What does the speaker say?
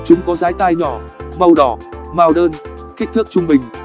chúng có dái tai nhỏ màu đỏ mào đơn kích thước trung bình